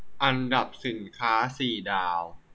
อันดับสินค้าสี่ดาว